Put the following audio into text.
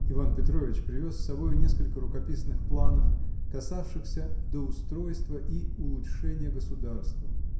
Иван Петрович привез с собою несколько рукописных планов, касавшихся до устройства и улучшения государства